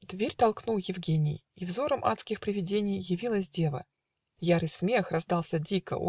дверь толкнул Евгений: И взорам адских привидений Явилась дева ярый смех Раздался дико